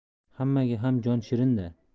hammaga ham jon shirinda